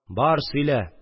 Бар, сөйлә